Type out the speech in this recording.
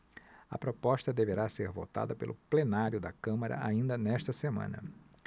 a proposta deverá ser votada pelo plenário da câmara ainda nesta semana